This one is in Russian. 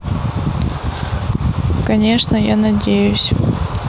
конечно я надеюсь